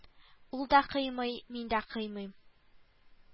Ул да кыймый, мин дә кыймыйм